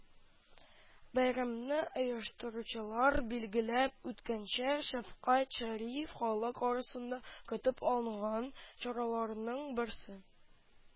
Бәйрәмне оештыручылар билгеләп үткәнчә, “Шәфкать Шәриф” – халык арасында көтеп алынган чараларның берсе